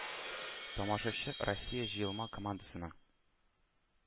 Тамашачы Россия җыелма командасының